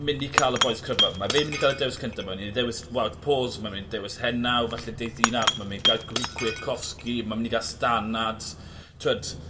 myn' i ca'l y bois cryfa ma' fe myn' ca'l y dewis cynta 'ma myn' i ddewis Wout Poels ma' myn' i dewis Hinault falle deith un arall ma' Michał Kwiatkowski ma' myn' i ga'l Stannard t'wod